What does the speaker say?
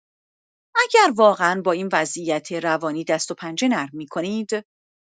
اگر واقعا با این وضعیتی روانی دست‌وپنجه نرم می‌کنید